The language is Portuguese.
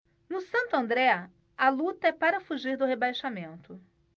no santo andré a luta é para fugir do rebaixamento